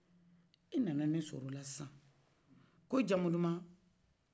e nana ne sɔr' ɔ la sisan ko jamu duman